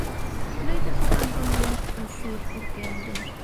Neu gallwch anfon linc yn syth i'r gêm iddyn nw.